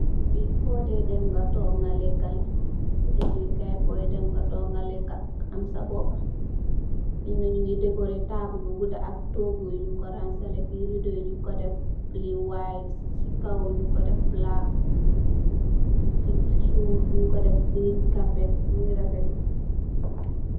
Bii fódé Dee dem nga toog nga léékë la. Deeme kaay, foot dem nga léékë la, am sa boopa. Fii nak ñu ngi dekoorët taabul bu gudda ak toogu yi ñung ko rañgsele ,fii riido yi ñung ko def pileen waayit, I kow ñung ko def balaak, si suuf ñun ko def giriin kapet,m ngi rafet.